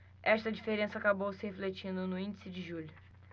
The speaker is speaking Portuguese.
esta diferença acabou se refletindo no índice de julho